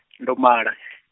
ndo mala .